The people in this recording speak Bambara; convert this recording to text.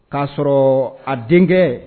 K y'a sɔrɔ a denkɛ